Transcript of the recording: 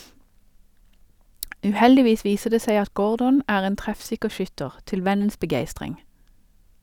Uheldigvis viser det seg at Gordon er en treffsikker skytter, til vennens begeistring.